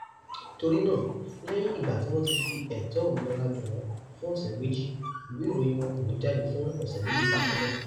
Torí náà, lẹ́yìn ìgbà tí wọ́n ti fi ẹ̀tọ́ òmìnira dùn wọ́n fún ọ̀sẹ̀ méjì, ìwé ìròyìn wọn kò ní jáde fún ọ̀sẹ̀ méjì bákan náà.